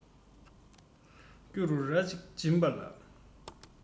སྐྱུ རུ ར གཅིག བྱིན པ ལ